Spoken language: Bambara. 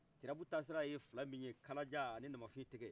turabu ta siraye fila min ye kalajan ani namafin tɛke